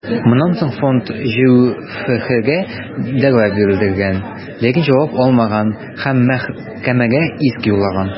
Моннан соң фонд ҖҮФХгә дәгъва белдергән, ләкин җавап алмаган һәм мәхкәмәгә иск юллаган.